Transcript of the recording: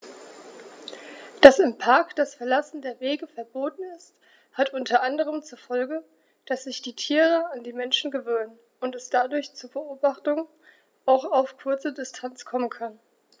Dass im Park das Verlassen der Wege verboten ist, hat unter anderem zur Folge, dass sich die Tiere an die Menschen gewöhnen und es dadurch zu Beobachtungen auch auf kurze Distanz kommen kann.